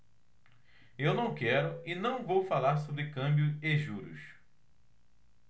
eu não quero e não vou falar sobre câmbio e juros